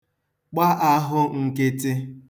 gba āhụ̄ n̄kị̄tị̄